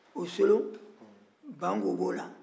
o solon banko b'o la